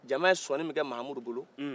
jama ye sɔni min kɛ mamudu bolo